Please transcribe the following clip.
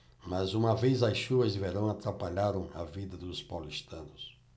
mais uma vez as chuvas de verão atrapalharam a vida dos paulistanos